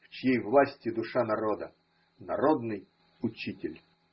в чьей власти душа народа – народный учитель.